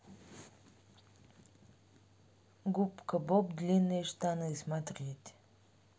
губка боб длинные штаны смотреть